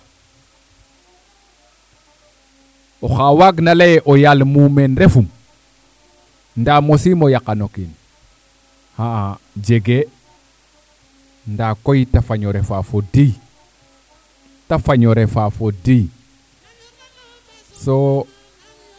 oxa waag na leye o yaal mumeen refum nda mosimo yaqano kiin xa'a jege nda koy te faño refa fo o diy te faño refa fo o diy soo